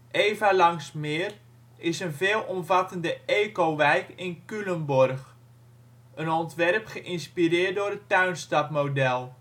EVA-Lanxmeer is een veel omvattende ecowijk in Culemborg, een ontwerp geīnspireerd door het tuinstadmodel